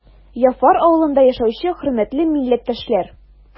Яфар авылында яшәүче хөрмәтле милләттәшләр!